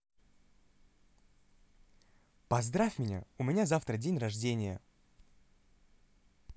поздравь меня у меня завтра день рождения